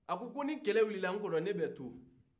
a ko nin kɛlɛ wulila nkɔrɔ nne bɛ tɔ